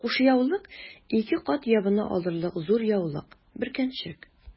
Кушъяулык— ике кат ябына алырлык зур яулык, бөркәнчек...